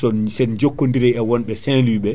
son sen jokkodiri e wonɓe Saint-louis ɓe